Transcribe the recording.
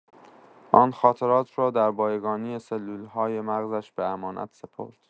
آن خاطرات را در بایگانی سلول‌های مغزش به امانت سپرد.